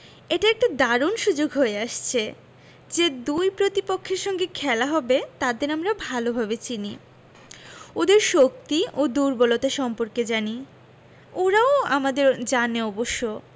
এটা একটা দারুণ সুযোগ হয়ে আসছে যে দুই প্রতিপক্ষের সঙ্গে খেলা হবে তাদের আমরা ভালোভাবে চিনি ওদের শক্তি ও দুর্বলতা সম্পর্কে জানি ওরাও আমাদের জানে অবশ্য